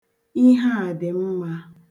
Ihe a dị mma.